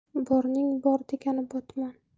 borning bor degani botmon